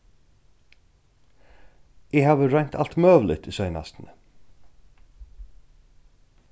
eg havi roynt alt møguligt í seinastuni